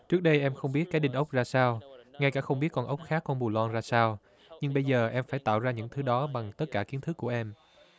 trước đây em không biết cái đinh ốc ra sao ngay cả không biết con ốc khác con bù long ra sao nhưng bây giờ em phải tạo ra những thứ đó bằng tất cả kiến thức của em